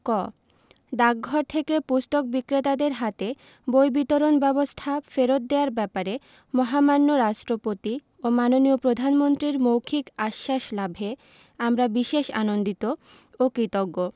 ক ডাকঘর থেকে পুস্তক বিক্রেতাদের হাতে বই বিতরণ ব্যবস্থা ফেরত দেওয়ার ব্যাপারে মহামান্য রাষ্ট্রপতি ও মাননীয় প্রধানমন্ত্রীর মৌখিক আশ্বাস লাভে আমরা বিশেষ আনন্দিত ও কৃতজ্ঞ